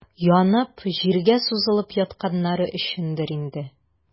Янып, җиргә сузылып ятканнары өчендер инде.